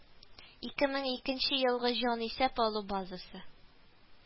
Ике мең икенче елгы җанисәп алу базасы